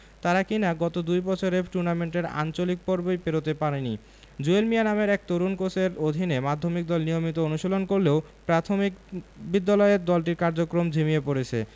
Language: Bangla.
তারা কিনা গত দুই বছরে টুর্নামেন্টের আঞ্চলিক পর্বই পেরোতে পারেনি জুয়েল মিয়া নামের এক তরুণ কোচের অধীনে মাধ্যমিক দল নিয়মিত অনুশীলন করলেও প্রাথমিক বিদ্যালয়ের দলটির কার্যক্রম ঝিমিয়ে পড়েছে